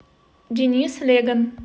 денис леган